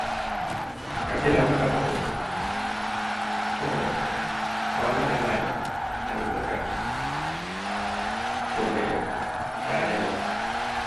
ก็ที่แรกมันก็ต้อง ต้องถอนมาหลายหลายเนาะ อันนี้มันก็โอนได้เลย จ่ายได้เลย